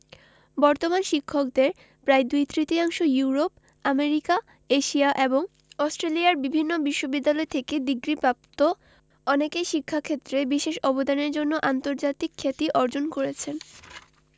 বর্তমান শিক্ষকদের প্রায় দুই তৃতীয়াংশ ইউরোপ আমেরিকা এশিয়া এবং অস্ট্রেলিয়ার বিভিন্ন বিশ্ববিদ্যালয় থেকে ডিগ্রিপ্রাপ্ত অনেকেই শিক্ষাক্ষেত্রে বিশেষ অবদানের জন্য আন্তর্জাতিক খ্যাতি অর্জন করেছেন